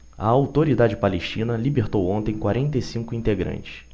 a autoridade palestina libertou ontem quarenta e cinco integrantes